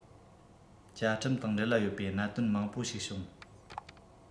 བཅའ ཁྲིམས དང འབྲེལ བ ཡོད པའི གནད དོན མང པོ ཞིག བྱུང